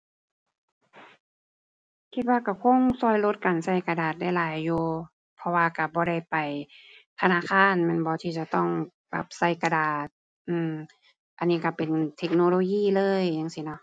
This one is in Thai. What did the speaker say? คิดว่าก็คงก็ลดการก็กระดาษได้หลายอยู่ เพราะว่าก็บ่ได้ไปธนาคารแม่นบ่ ที่จะต้องปรับใส่กระดาษ อือ อันนี้ก็เป็นเทคโนโลยีเลยหยังซี้เนาะ